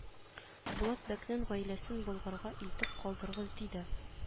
Булат бәкнең гаиләсен болгарга илтеп калдырыгыз диде